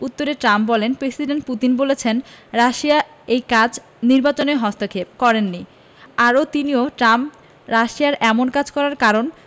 উত্তরে ট্রাম্প বললেন president Putin বলেছেন রাশিয়া এই কাজ নির্বাচনে হস্তক্ষেপ করেনি আর তিনিও ট্রাম্প রাশিয়ার এমন কাজ করার কারণ